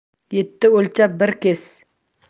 yetti o'lchab bir kes